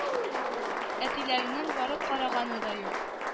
Әтиләренең барып караганы да юк